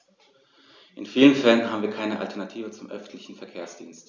In vielen Fällen haben wir keine Alternative zum öffentlichen Verkehrsdienst.